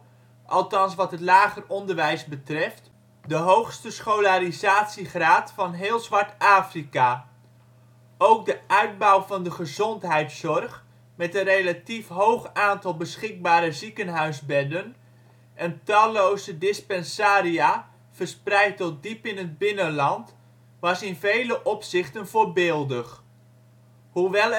althans wat het lager onderwijs betreft, de hoogste scholarisatiegraad van heel Zwart-Afrika. Ook de uitbouw van de gezondheidszorg, met een relatief hoog aantal beschikbare ziekenhuisbedden en talloze dispensaria verspreid tot diep in het binnenland, was in vele opzichten voorbeeldig. Hoewel